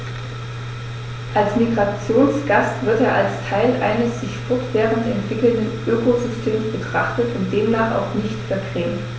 Als Migrationsgast wird er als Teil eines sich fortwährend entwickelnden Ökosystems betrachtet und demnach auch nicht vergrämt.